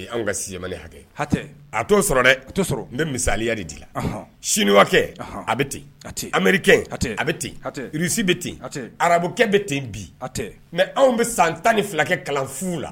Anw ka 6ème année hakɛ, hatɛ, a t'o sɔrɔ dɛ, a t'o sɔrɔ, n bɛ misaliya de di, chinois kɛ, hatɛ, a bɛ ten, amɛrikɛn, hatɛ, a bɛ ten, irisi bɛ ten, hatɛ, arabukɛ bɛ ten bi, hatɛ, mais anw bɛ san 12 kɛ kalan fu la